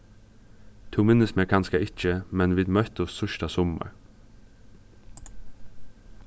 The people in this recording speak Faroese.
tú minnist meg kanska ikki men vit møttust síðsta summar